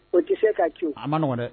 O tɛ se k ka ci a maɔgɔn dɛ